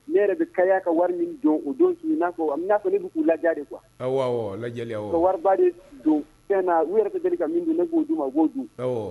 Ne yɛrɛ bɛ kariya ka wari min don o don su ɲa fɔ a be i n'afɔ ne bɛ k'u ladiya de quoi awɔ awɔ a lajɛli awɔ ka wariba de don fɛn naa u yɛrɛ tɛ deli ka min dun ne b'o d'u ma u b'o dun awɔ